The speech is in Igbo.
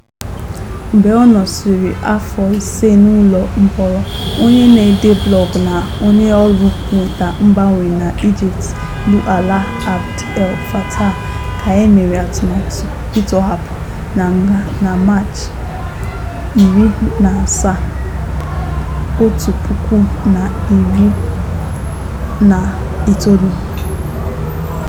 Mgbe ọ nọsịrị afọ ise n'ụlọ mkpọrọ, onye na-ede blọgụ na onye ọrụ mweta mgbanwe na Egypt bụ Alaa Abd El Fattah ka e mere atụmatụ itọhapụ na nga na March 17, 2019.